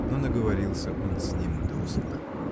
но наговорился он с ним досыта.